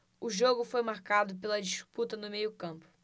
o jogo foi marcado pela disputa no meio campo